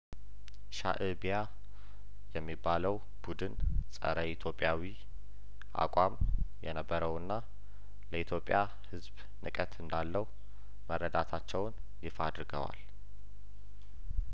ሻእቢያ የሚባለው ቡድን ጸረ ኢትዮጵያዊ አቋም የነበረውና ለኢትዮጵያ ህዝብ ንቀት እንዳለው መረዳታቸውን ይፋ አድርገዋል